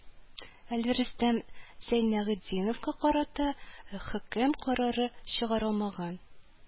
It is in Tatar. Әле Рөстәм Зәйнәгытдиновка карата хөкем карары чыгарылмаган